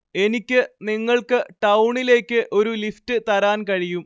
എനിക്ക് നിങ്ങൾക്ക് ടൗണിലേക്ക് ഒരു ലിഫ്റ്റ് തരാൻ കഴിയും